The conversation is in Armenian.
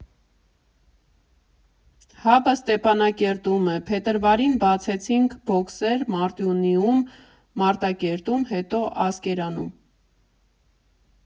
Հաբը Ստեփանակերտում է, փետրվարին բացեցինք բոքսեր Մարտունիում, Մարտակերտում, հետո Ասկերանում։